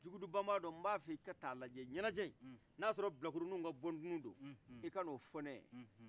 jugudu banbadɔ mbafɛ ika taa lajɛ ɲɛnɛjɛ in nasɔrɔ bilakoroninw bɔ dunu do i kan'o fɔ ne ɲɛna